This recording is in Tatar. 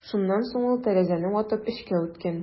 Шуннан соң ул тәрәзәне ватып эчкә үткән.